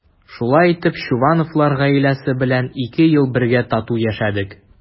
Шулай итеп Чувановлар гаиләсе белән ике ел бергә тату яшәдек.